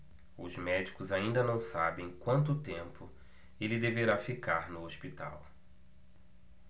os médicos ainda não sabem quanto tempo ele deverá ficar no hospital